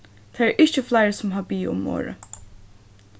tað eru ikki fleiri sum hava biðið um orðið